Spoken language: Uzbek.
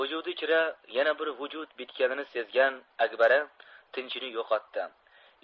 vujudi ichra yana bir vujud bitganini sezgan akbara tinchini yo'qotdi